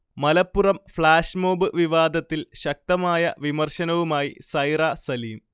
Malappuram flash mob വിവാദത്തിൽ ശക്തമായ വിമർശനവുമായി സൈറ സലീം